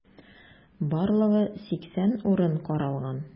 Барлыгы 80 урын каралган.